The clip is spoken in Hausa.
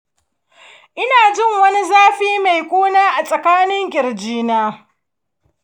ina jin wani zafi mai ƙuna a tsakiyan ƙirji na.